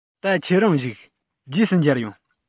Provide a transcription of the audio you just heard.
ད ཁྱེད རང བཞུགས རྗེས སུ མཇལ ཡོང